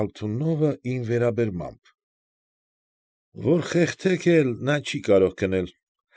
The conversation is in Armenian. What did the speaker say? Ալթունովը իմ վերաբերմամբ։֊ Որ խեղդեք էլ նա չի կարող քնել։